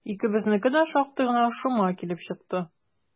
Икебезнеке дә шактый гына шома килеп чыкты.